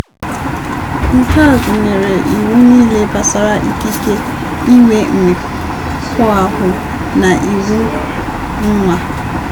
Nke a gụnyere iwu niile gbasara ikike inwe mmekọahụ na ịmụ nwa.